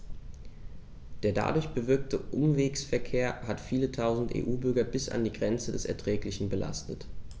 Der dadurch bewirkte Umwegsverkehr hat viele Tausend EU-Bürger bis an die Grenze des Erträglichen belastet.